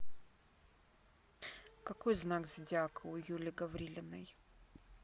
какой знак зодиака у юли гаврилиной